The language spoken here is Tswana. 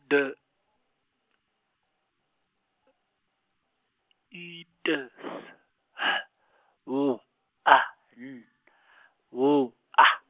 D I T S H W A N W A.